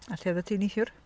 A lle oeddet ti neithiwr?